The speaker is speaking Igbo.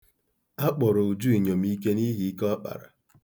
A kpọrọ Uju inyomiike n'ihi ike ọ kpara.